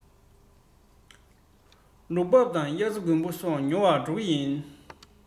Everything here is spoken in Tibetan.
ལུག པགས དང དབྱར རྩྭ དགུན འབུ ཉོ བར འགྲོ གི ཡིན